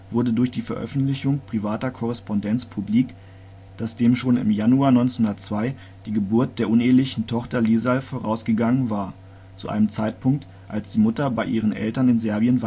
wurde durch die Veröffentlichung privater Korrespondenz publik, dass dem schon im Januar 1902 die Geburt der unehelichen Tochter Lieserl vorausgegangen war, zu einem Zeitpunkt, als die Mutter bei ihren Eltern in Serbien weilte